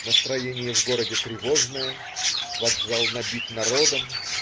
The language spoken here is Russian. Настроение в городе тревожное. Вокзал набит народом.